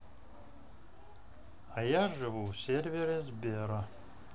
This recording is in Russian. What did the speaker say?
а я живу в сервере сбера